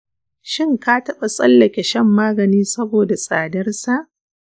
shin ka taɓa tsallake shan magani saboda tsadar sa?